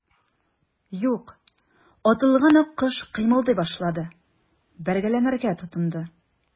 Юк, атылган аккош кыймылдый башлады, бәргәләнергә тотынды.